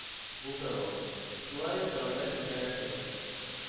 Булдыру, шулай ук дәүләт идарәсе